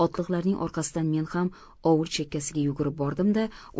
otliqlarning orqasidan men ham ovul chekkasiga yugurib bordim da